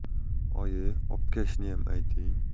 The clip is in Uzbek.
oyi obkashniyam ayting